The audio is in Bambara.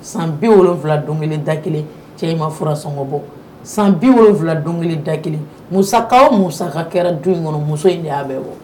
San bi wolonwula don kelen da kelen cɛ ma fura sɔngɔ bɔ san bi wolonwula don kelen da kelen musakaw musa ka kɛra du in kɔnɔ muso in'a bɛ bɔ